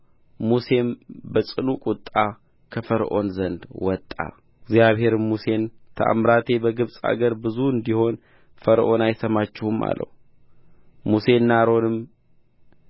ሙሴም በጽኑ ቁጣ ከፈርዖን ዘንድ ወጣ እግዚአብሔርም ሙሴን ተአምራቴ በግብፅ አገር ብዙ እንዲሆን ፈርዖን አይሰማችሁም አለው ሙሴና አሮንም